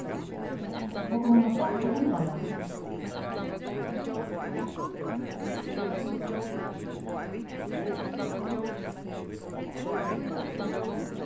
okur munnu sleppa undan hasum